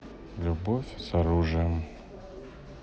любовь с оружием